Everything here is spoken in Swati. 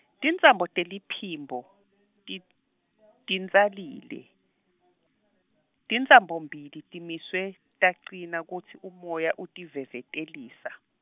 tintsambo teliphimbo , tit- tintsalile, tintsambombili timiswe, tacina kutsi umoya utivevetelisa.